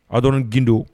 A dɔn ddo